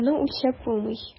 Аны үлчәп булмый.